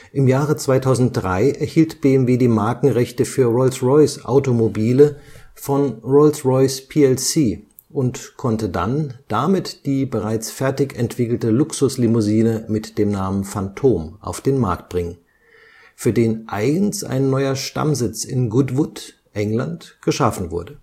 Im Jahre 2003 erhielt BMW die Markenrechte für Rolls-Royce-Automobile von Rolls Royce plc und konnte dann damit die bereits fertig entwickelte Luxus-Limousine mit dem Namen Phantom auf den Markt bringen, für den eigens ein neuer Stammsitz in Goodwood, England, geschaffen wurde